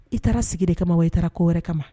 I taara sigi de kama wa i taara ko wɛrɛ kama